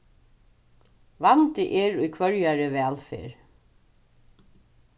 vandi er í hvørjari vælferð